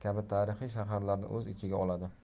kabi tarixiy shaharlarni o'z ichiga oladi